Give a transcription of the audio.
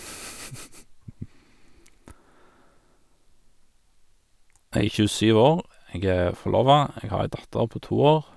Jeg er tjuesyv år, jeg er forlova, jeg har ei datter på to år.